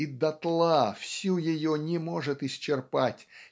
и дотла всю ее не может исчерпать